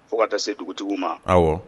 Fo ka taa se dugutigi ma aw